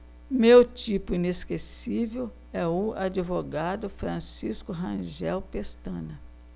meu tipo inesquecível é o advogado francisco rangel pestana